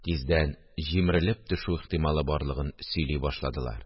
Тиздән җимерелеп төшү ихтималы барлыгын сөйли башладылар